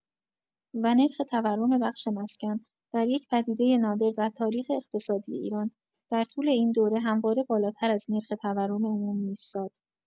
و نرخ تورم بخش مسکن، در یک پدیدۀ نادر در تاریخ اقتصادی ایران، در طول این دوره همواره بالاتر از نرخ تورم عمومی ایستاد.